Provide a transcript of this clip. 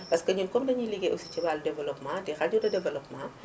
parce que ñun comme dañuy liggéey aussi ci wàllum développement di rajo de développement